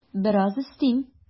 Бераз өстим.